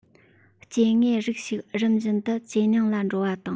སྐྱེ དངོས རིགས ཤིག རིམ བཞིན དུ ཇེ ཉུང ལ འགྲོ བ དང